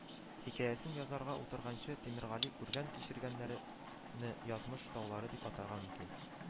Хикәясен язарга утырганчы тимергали күргән-кичергәннәрне “язмыш таулары” дип атарга мөмкин